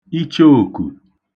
ichoòkù